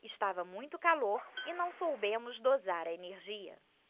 estava muito calor e não soubemos dosar a energia